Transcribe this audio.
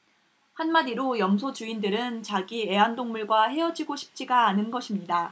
한마디로 염소 주인들은 자기 애완동물과 헤어지고 싶지가 않은 것입니다